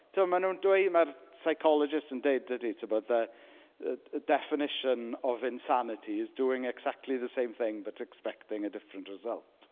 Tibod, maen nhw'n dweud... mae'r psychologists yn deud dydy tibod "the uh d- definition of insanity is doing exactly the same thing but expecting a different result."